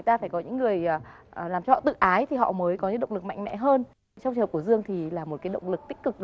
ta phải có những người làm cho họ tự ái thì họ mới có những động lực mạnh mẽ hơn trong trường hợp của dương thì là một cái động lực tích cực